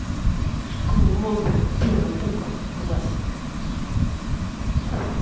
школа монстров кто напукал классе